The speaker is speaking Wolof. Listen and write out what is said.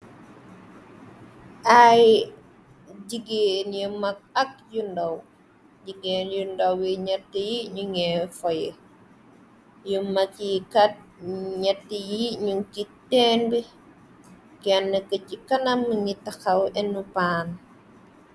Ay jigeen yu mag ak yu ndaw jigéen yu ndawi ñett yi ñu nge foy yu maj yi kat ñetti yi ñu git ten bi kenn ko ci kanam ngi taxaw in paan.